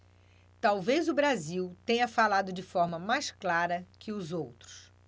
talvez o brasil tenha falado de forma mais clara que os outros